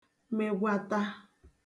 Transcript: megwata